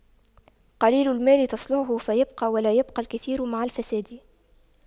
قليل المال تصلحه فيبقى ولا يبقى الكثير مع الفساد